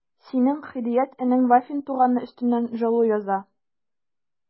Синең Һидият энең Вафин туганы өстеннән жалу яза...